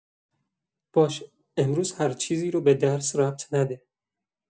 باشه، امروز هر چیزی رو به درس ربط نده.